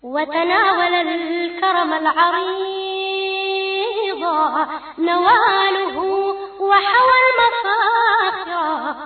Wa tile naamubugu wa